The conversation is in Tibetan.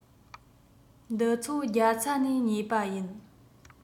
འདི ཚོ རྒྱ ཚ ནས ཉོས པ ཡིན